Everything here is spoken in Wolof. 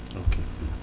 ok